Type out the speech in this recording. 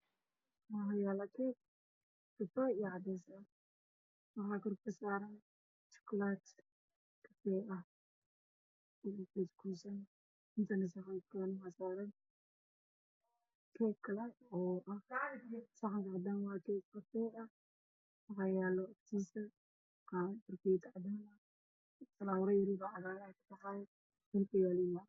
Waxaa yaalo sacan cadaan ah waxaa korka kasaran shukulaato